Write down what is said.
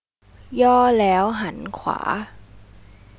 ย่อแล้้วหันขวา